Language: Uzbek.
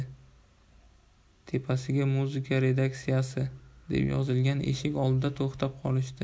tepasiga muzika redaksiyasi deb yozilgan eshik oldida to'xtab qolishdi